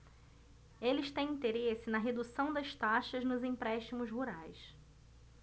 eles têm interesse na redução das taxas nos empréstimos rurais